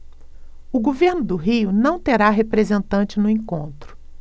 o governo do rio não terá representante no encontro